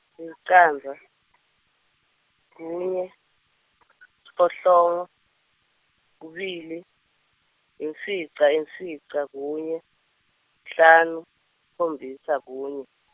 licandza, kunye, siphohlongo, kubili, yimfica yimfica kunye, sihlanu, sikhombisa kunye.